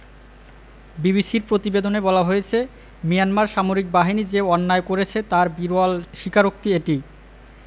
বিবিসির প্রতিবেদনে বলা হয়েছে মিয়ানমার সামরিক বাহিনী যে অন্যায় করেছে তার বিরল স্বীকারোক্তি এটি